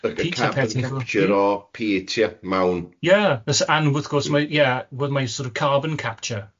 capture o peat, ia? Mawn... Ie, y- s- a wrth gwrs mae, yeah, ro- mae o sor' of carbon capture.